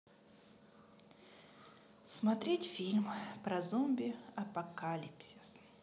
смотреть фильм про зомби апокалипсис